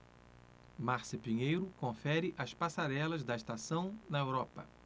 márcia pinheiro confere as passarelas da estação na europa